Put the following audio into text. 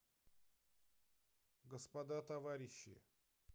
господа товарищи